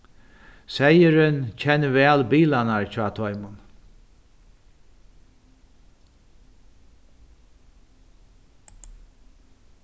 seyðurin kennir væl bilarnar hjá teimum